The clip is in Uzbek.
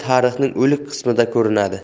tarixning o'lik qismida ko'rinadi